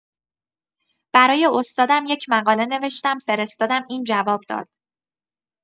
برای استادم یک مقاله نوشتم فرستادم این جواب داد.